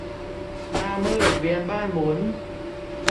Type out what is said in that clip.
หน้ามืดเวียนบ้านหมุน